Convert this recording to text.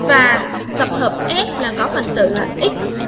và tập hợp f là có phần tử x